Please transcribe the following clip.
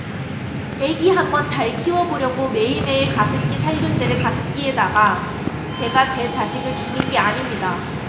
애기 한번 잘 키워보려고 매일매일 가습기 살균제를 가습기에다가 제가 제 자식을 죽인 게 아닙니다